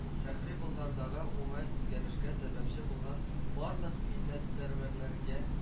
Шәһри Болгардагы уңай үзгәрешкә сәбәпче булган барлык милләт пәрвәрләргә